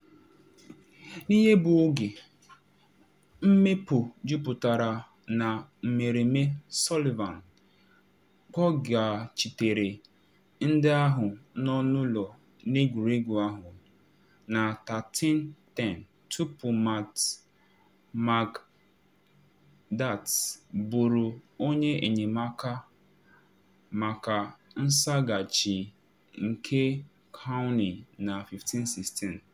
N’ihe bụ oge mmepe juputara na mmereme, Sullivan kpọghachitere ndị ahụ nọ n’ụlọ n’egwuregwu ahụ na 13:10 tupu Matt Marquardt bụrụ onye enyemaka maka nsaghachi nke Cownie na 15:16.